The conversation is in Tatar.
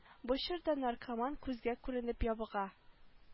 Бу чорда наркоман күзгә күренеп ябыга